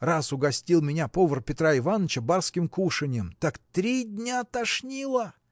Раз угостил меня повар Петра Иваныча барским кушаньем так три дня тошнило.